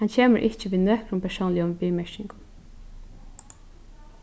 hann kemur ikki við nøkrum persónligum viðmerkingum